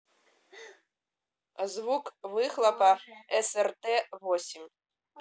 звук выхлопа срт восемь